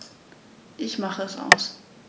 Ich mache es aus.